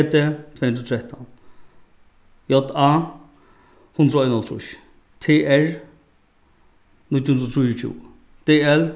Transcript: p d tvey hundrað og trettan j a hundrað og einoghálvtrýss t r níggju hundrað og trýogtjúgu d l